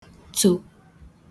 tò